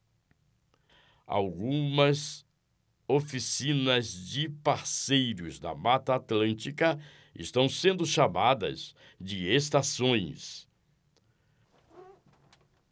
algumas oficinas de parceiros da mata atlântica estão sendo chamadas de estações